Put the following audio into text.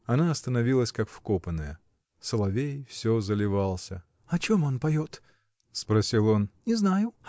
Она остановилась как вкопанная. Соловей всё заливался. — О чем он поет? — спросил он. — Не знаю!